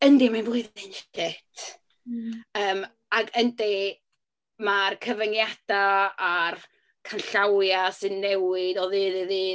Yndi mae'n flwyddyn shit, yym ac yndi mae'r cyfyngiadau a'r canllawiau sy'n newid o ddydd i ddydd.